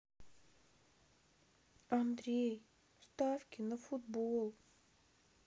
андрей ставки на футбол